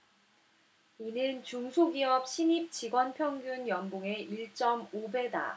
이는 중소기업 신입 직원 평균 연봉의 일 쩜 오 배다